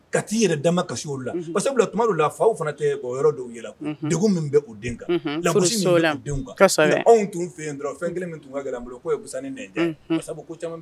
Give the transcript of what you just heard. Ka' i yɛrɛ dama kasi la sabula tuma la faw fana yɔrɔ yɛrɛ de min bɛ den kan la kan anw tun fɛn yen dɔrɔn fɛn kelen min tun ka g an bolo k' ye fisasannin sabu